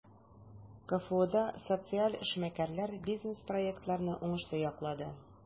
КФУда социаль эшмәкәрләр бизнес-проектларны уңышлы яклады.